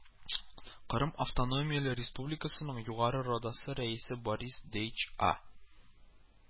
Кырым Автономияле Республикасының Югары Радасы рәисе Борис Дейч А